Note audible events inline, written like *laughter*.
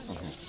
*hesitation* *hesitation*